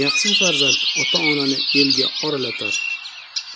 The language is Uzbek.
yaxshi farzand ota onani elga oralatar